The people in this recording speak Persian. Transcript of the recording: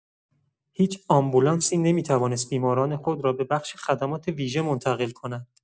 هیچ آمبولانسی نمی‌توانست بیماران خود را به بخش خدمات ویژه منتقل کند.